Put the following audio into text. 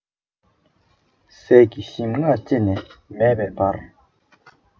ཟས ཀྱི ཞིམ མངར ལྕེ ནས མིད པའི བར